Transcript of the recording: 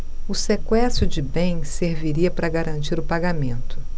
o sequestro de bens serviria para garantir o pagamento